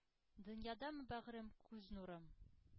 Дөньядамы бәгърем, күз нурым